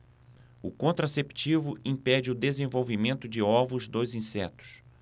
o contraceptivo impede o desenvolvimento de ovos dos insetos